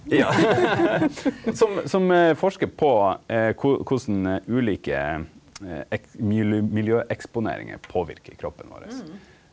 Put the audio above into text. ja som som forskar på korleis ulike miljøeksponeringar påverkar kroppen vår.